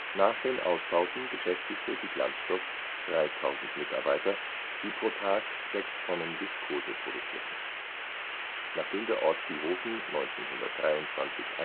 Nach den Ausbauten beschäftigte die Glanzstoff 3.000 Mitarbeiter, die pro Tag sechs Tonnen Viskose produzierten. Nachdem der Ort Viehofen 1923